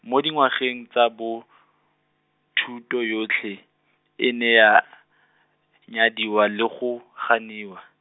mo dingwageng tsa bo , thuto yotlhe, e ne ya , nyadiwa le go, ganiwa.